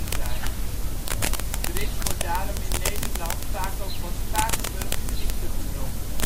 zijn. Bric wordt daarom in Nederland vaak ook wel " Spakenburgse ziekte " genoemd